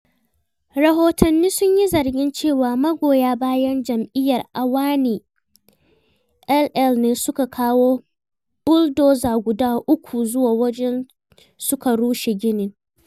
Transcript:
Rahotanni sun yi zargin cewa magoya bayan Jam'iyyar Awami (AL) ne suka kawo buldoza guda uku zuwa wajen suka rushe ginin.